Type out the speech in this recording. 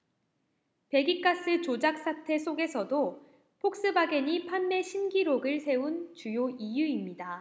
배기가스 조작사태 속에서도 폭스바겐이 판매 신기록을 세운 주요 이유입니다